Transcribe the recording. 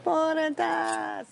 Bore da!